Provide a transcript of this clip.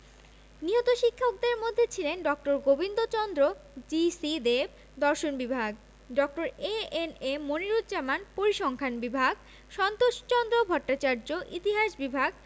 নিহত শিক্ষকদের মধ্যে ছিলেন ড. গোবিন্দচন্দ্র জি.সি দেব দর্শন বিভাগ ড. এ.এন.এম মনিরুজ্জামান পরিসংখান বিভাগ সন্তোষচন্দ্র ভট্টাচার্য ইতিহাস বিভাগ